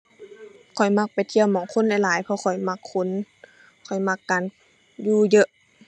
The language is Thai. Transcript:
ข้อยมักไปเที่ยวหม้องคนหลายหลาย เพราะข้อยมักคน ข้อยมักการอยู่เยอะ